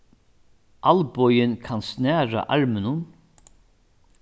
albogin kann snara arminum